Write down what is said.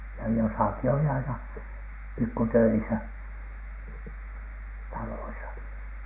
ja jossakin oli aina pikku töissä taloissa